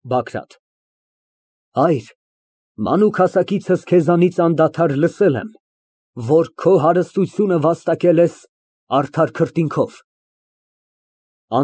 ԲԱԳՐԱՏ ֊ Հայր, մանուկ հասակիցս քեզնից անդադար լսել եմ, որ քո հարստությունը վաստակել ես արդար քրտինքով։